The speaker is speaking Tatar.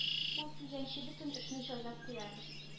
Ул килгәнче бөтен эшне җайлап куярбыз